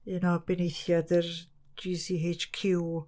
Un o benaethiaid yr GCHQ.